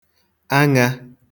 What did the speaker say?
aṅā